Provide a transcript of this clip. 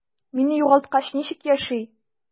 Мине югалткач, ничек яши?